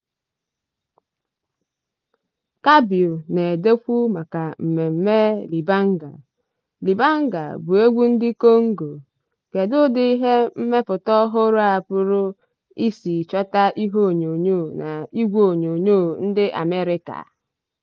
Cabiau na-edekwu maka mmemme libanga. Libanga bụ egwu ndị Congo, kedu ụdị ihe mmepụta ọhụrụ a pụrụ isi chọta ihe onyonyo na igweonyonyo ndị Amerịka.